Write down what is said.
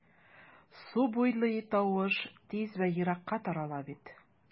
Су буйлый тавыш тиз вә еракка тарала бит...